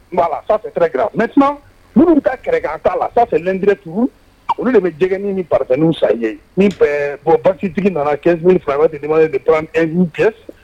Fɛki mɛt minnu ka kɛrɛ'a la fɛ lɛntɛrɛ tugun olu de bɛ jɛgɛnin ni patein sa ye min bɔn patigi nana kɛsso saba di de kɛ